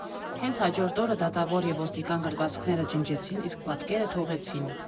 Հենց հաջորդ օրը դատավոր և ոստիկան գրվածքները ջնջեցին, իսկ պատկերը թողեցին։